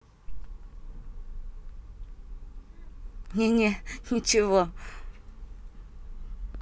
не не ничего